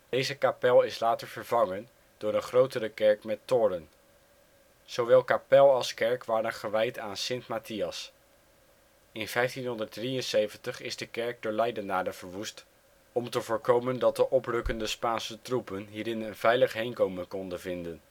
Deze kapel is later vervangen door een grotere kerk met toren. Zowel kapel als kerk waren gewijd aan St Matthias. In 1573 is de kerk door Leidenaren verwoest, om te voorkomen dat de oprukkende Spaanse troepen hierin een veilig heenkomen konden vinden